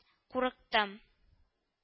Курыктым